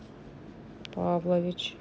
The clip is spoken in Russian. павлович